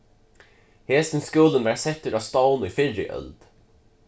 hesin skúlin var settur á stovn í fyrru øld